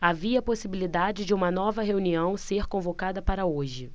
havia possibilidade de uma nova reunião ser convocada para hoje